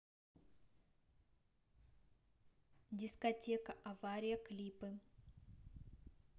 дискотека авария клипы